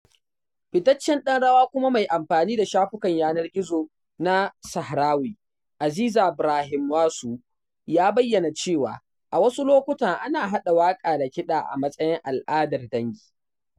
Fitaccen ɗan rawa kuma mai amfani da shafukan yanar gizo na Sahrawi, Aziza Brahimwasu ya bayyana cewa, a wasu lokutan ana haɗa waƙa da kiɗa a matsayin ala'dar dangi.